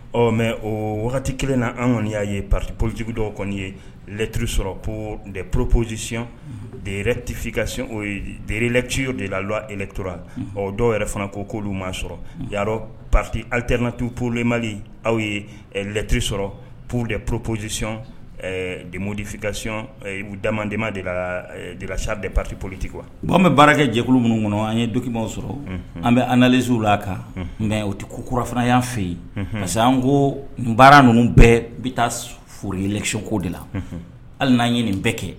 Ɔ mɛ o wagati kelen na an kɔni y'a ye patipolij dɔ kɔni ye lɛt sɔrɔ p purpoliosisiy deretika derelɛci de la la e tora dɔw yɛrɛ fana ko koolu ma sɔrɔ y yaa dɔn pati aliternatu porolenma aw ye lɛt sɔrɔ pur de purposisiy demodifinkasiy damaden de la delasa de paritepoliti kuwa bon an bɛ baarajɛjɛkulu minnu kɔnɔ an ye dukibaw sɔrɔ an bɛ anzo la a kan nka o tɛ ku kurauran fana y' fɛ yen parce que an ko baara ninnu bɛɛ bɛ taa foroycko de la hali n'an ye nin bɛɛ kɛ